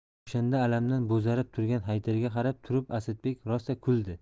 o'shanda alamdan bo'zarib turgan haydarga qarab turib asadbek rosa kuldi